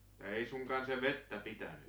ei suinkaan se vettä pitänyt